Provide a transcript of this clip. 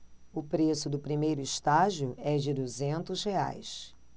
o preço do primeiro estágio é de duzentos reais